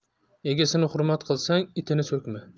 egasini hurmat qilsang itini so'kma